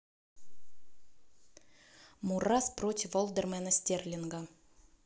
muras против олдермена стерлинга